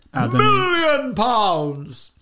Million pounds!